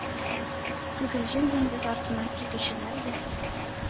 Күгелҗем диңгез артына китүчеләр дә